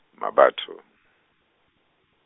Mmabatho.